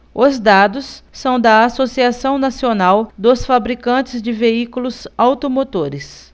os dados são da anfavea associação nacional dos fabricantes de veículos automotores